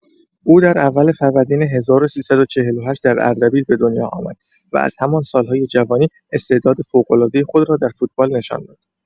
او در اول فروردین ۱۳۴۸ در اردبیل به دنیا آمد و از همان سال‌های جوانی استعداد فوق‌العاده خود را در فوتبال نشان داد.